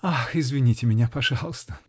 -- Ах, извините меня, пожалуйста.